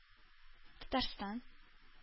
Татарстан